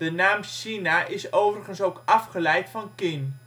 naam China is overigens ook afgeleid van Qin